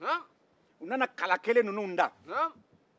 u nana kala kelen ninnu da